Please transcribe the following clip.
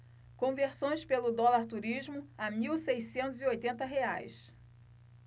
conversões pelo dólar turismo a mil seiscentos e oitenta reais